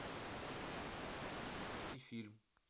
запусти фильм